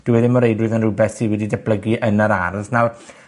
Dyw e ddim o reidrwydd yn rwbeth sy wedi datblygu yn yr ardd. Nawr,